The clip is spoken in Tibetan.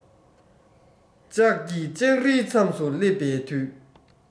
ལྕགས ཀྱི ལྕགས རིའི མཚམས སུ སླེབས པའི དུས